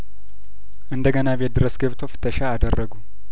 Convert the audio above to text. እንደ ገና እቤት ድረስ ገብተው ፍተሻ አደረጉ